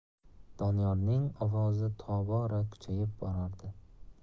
doniyorning ovozi tobora kuchayib borardi